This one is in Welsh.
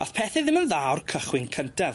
Ath pethe ddim yn dda o'r cychwyn cyntaf.